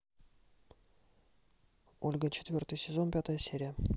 ольга четвертый сезон пятая серия